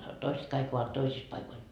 toiset kaikki ovat toisissa paikoilla